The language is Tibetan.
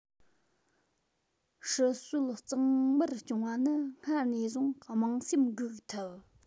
སྲིད སྲོལ གཙང མར སྐྱོང བ ནི སྔར ནས བཟུང དམངས སེམས འགུགས ཐུབ